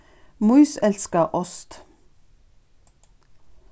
mýs elska ost